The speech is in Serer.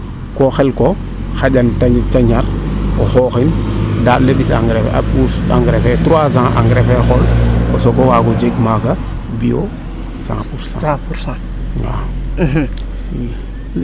ko xelko xaƴan te njar o xooxin daand le mbis engrais fee a puus engrais fee trois ans engrais fee xool o soogo waago jeg maaga bio cent pourcent waaw